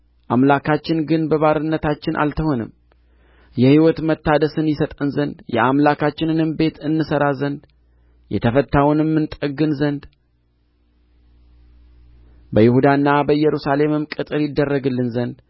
አምላካችን ግን በባርነታችን አልተወንም የሕይወት መታደስን ይሰጠን ዘንድ የአምላካችንንም ቤት እንሠራ ዘንድ የተፈታውንም እንጠግን ዘንድ በይሁዳና በኢየሩሳሌምም ቅጥር ይደረግልን ዘንድ